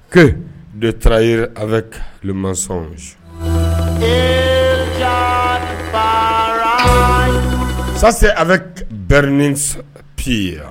Ko de taara ye a bɛ leman ya sase a bɛ berein pe ye